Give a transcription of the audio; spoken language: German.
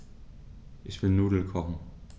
Ich will Nudeln kochen.